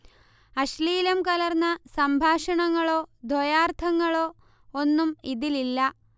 അശ്ലീലം കലർന്ന സംഭാഷങ്ങളോ ദ്വയാർത്ഥങ്ങളോ ഒന്നും ഇതിലില്ല